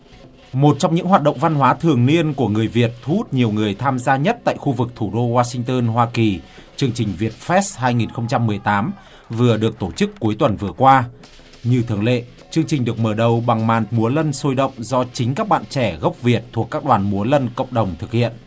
một trong những hoạt động văn hóa thường niên của người việt thu hút nhiều người tham gia nhất tại khu vực thủ đô goa sinh tơn hoa kỳ chương trình việt phét hai nghìn không trăm mười tám vừa được tổ chức cuối tuần vừa qua như thường lệ chương trình được mở đầu bằng màn múa lân sôi động do chính các bạn trẻ gốc việt thuộc các đoàn múa lân cộng đồng thực hiện